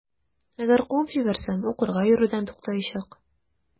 Әгәр куып җибәрсәм, укырга йөрүдән туктаячак.